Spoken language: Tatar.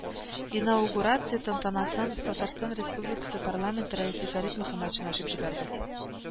Инаугурация тантанасын Татарстан Республикасы Парламенты рәисе Фәрит Мөхәммәтшин ачып җибәрде